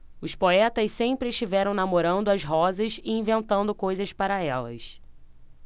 os poetas sempre estiveram namorando as rosas e inventando coisas para elas